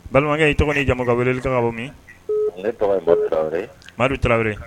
Balimakɛ ye tɔgɔ ni jamu ka wele i ka ka min madu tarawele